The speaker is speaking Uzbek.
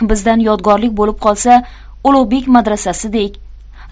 bizdan yodgorlik bo'lib qolsa ulug'bek madrasasidek